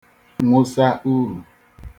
nwosa urù